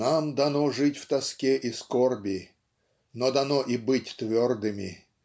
Нам дано жить в тоске и скорби но дано и быть твердыми